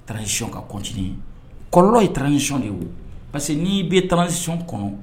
Taaracɔn ka kɔntinin kɔlɔlɔnlɔ ye taarasic de ye wo parce que n'i bɛ taarasin kɔnɔ